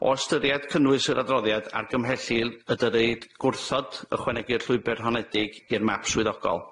O ystyried cynnwys yr adroddiad, argymhellir y dylid gwrthod ychwanegu'r llwybyr honedig i'r map swyddogol.